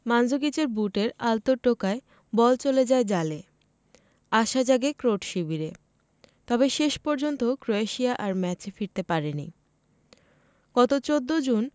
মানজুকিচের বুটের আলতো টোকায় বল চলে যায় জালে আশা জাগে ক্রোট শিবিরে তবে শেষ পর্যন্ত ক্রোয়েশিয়া আর ম্যাচে ফিরতে পারেনি গত ১৪ জুন